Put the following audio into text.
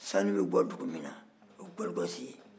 sanu bɛ bɔ dugu min na o ye gold cost ye